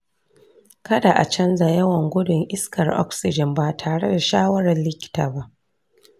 kada a canza yawan gudun iskar oxygen ba tare da shawarar likita ba.